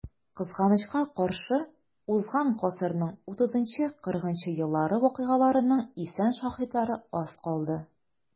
Кызганычка каршы, узган гасырның 30-40 еллары вакыйгаларының исән шаһитлары аз калды.